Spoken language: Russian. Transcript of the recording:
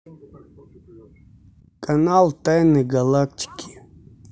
канал тайны галактики